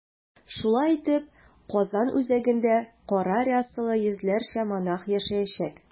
Шулай итеп, Казан үзәгендә кара рясалы йөзләрчә монах яшәячәк.